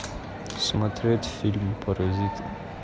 смотреть фильм паразиты